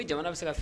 Ni jamana bɛ ka